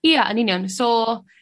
Ia yn union so